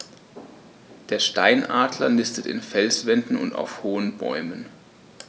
Der Steinadler nistet in Felswänden und auf hohen Bäumen.